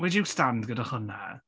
Where do you stand gyda hwnna?